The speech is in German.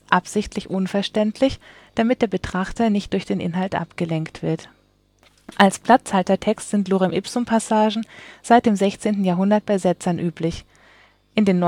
absichtlich) unverständlich, damit der Betrachter nicht durch den Inhalt abgelenkt wird. Als Platzhaltertext sind Lorem-ipsum-Passagen seit dem 16. Jahrhundert bei Setzern üblich, in den